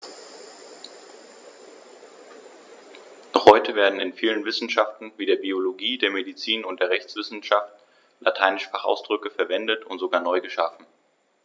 Noch heute werden in vielen Wissenschaften wie der Biologie, der Medizin und der Rechtswissenschaft lateinische Fachausdrücke verwendet und sogar neu geschaffen.